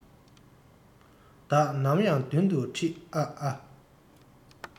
བདག ནམ ཡང མདུན དུ ཁྲིད ཨ ཨ